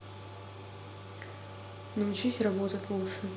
научись работать лучше